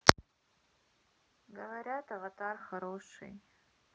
говорят аватар хороший